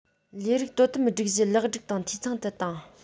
ལས རིགས དོ དམ སྒྲིག གཞི ལེགས སྒྲིག དང འཐུས ཚང དུ བཏང